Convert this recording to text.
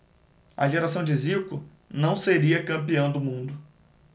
a geração de zico não seria campeã do mundo